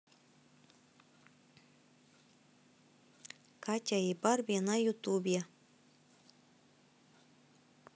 катя и барби на ютубе